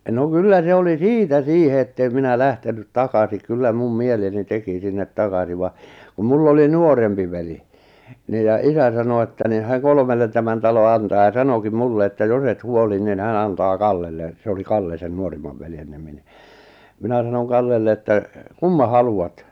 no kyllä se oli siitä siihen että en minä lähtenyt takaisin kyllä minun mieleni teki sinne takaisin vaan kun minulla oli nuorempi veli niin ja isä sanoi että niin hän kolmelle tämän talon antaa ja sanokin minulle että jos et huoli niin hän antaa Kallelle se oli Kalle sen nuorimman veljen nimi niin minä sanoin Kallelle että kumman haluat